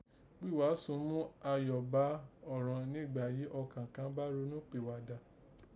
Ghí ghàásù mú ayọ̀ bá ọ̀rọn nígbà yìí ọkàn kan bá ronúpìghàdà